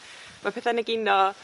ma' petha'n egino